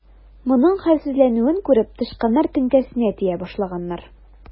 Моның хәлсезләнүен күреп, тычканнар теңкәсенә тия башлаганнар.